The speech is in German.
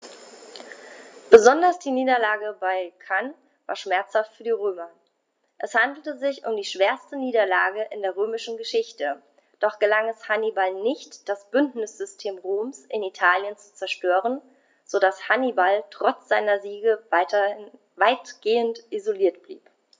Besonders die Niederlage bei Cannae war schmerzhaft für die Römer: Es handelte sich um die schwerste Niederlage in der römischen Geschichte, doch gelang es Hannibal nicht, das Bündnissystem Roms in Italien zu zerstören, sodass Hannibal trotz seiner Siege weitgehend isoliert blieb.